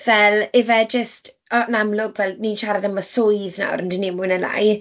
Fel ife jyst yy... yn amlwg fel ni'n siarad am y swydd nawr yndyn ni mwy neu lai.